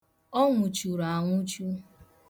Ọ nwụchuru anwụchu.